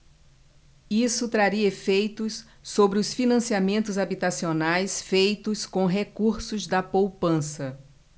isso traria efeitos sobre os financiamentos habitacionais feitos com recursos da poupança